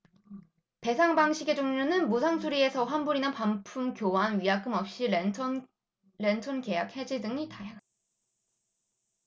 배상 방식의 종류는 무상수리에서부터 환불이나 반품 교환 위약금없이 렌털계약 해지 등 다양하다